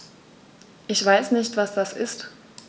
Ich weiß nicht, was das ist.